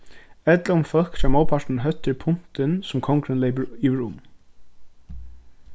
ella um fólk hjá mótpartinum hóttir puntin sum kongurin loypur yvirum